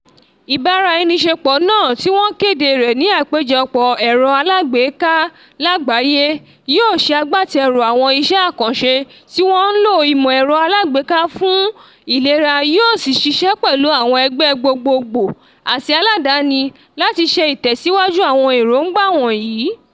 Ìbáraẹniṣepọ̀ náà, tí wọ́n kéde rẹ̀ ní Àpéjọpọ̀ Ẹ̀rọ Alágbèéká Lágbàáyé, yóò ṣe agbátẹrù àwọn iṣẹ́ àkànṣe tí wọ́n ń lo ìmọ̀ ẹ̀rọ alágbèéká fún ìlera yóò sì ṣiṣẹ́ pẹ̀lú àwọn ẹgbẹ́ gbogbogbò àti aládani láti ṣe ìtẹ̀síwájú àwọn èróńgbà wọ̀nyí.